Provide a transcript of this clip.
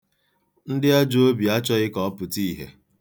Ndị ajọ obi achọghị ka ọ pụta ihie.